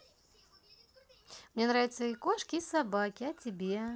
мне нравятся и кошки и собаки а тебе